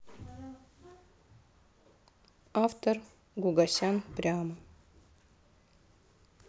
автор гугасян прямо